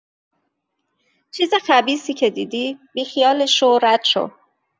چیز خبیثی که دیدی، بی‌خیالش شو و رد شو.